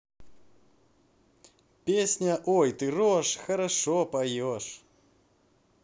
песня ой ты рожь хорошо поешь